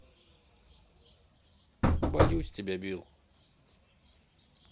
боюсь тебя бил